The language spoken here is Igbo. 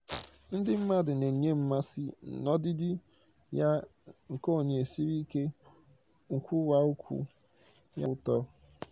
Ndị mmadụ na-enwe mmasị n'ọdịdị ya nke onye siri ike, nkwuwa okwu ya na-atọkwa ụtọ.